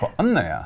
på Andøya?